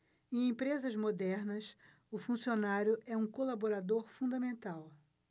em empresas modernas o funcionário é um colaborador fundamental